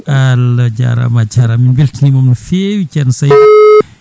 Allah jarama a jarama min beltinomomo no fewi ceerno Saydou